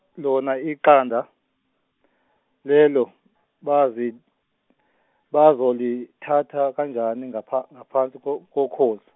lona iqanda, lelo bazi- bazolithatha kanjani ngapha- ngaphansi ko- kokhozi.